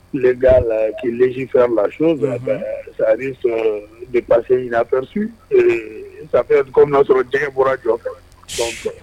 Illégal qui légifère la chose, et bien ça risque de passer inaperçu et ça faitçç komi n'a sɔrɔ jɛgɛ bɔra jɔ kɔnɔ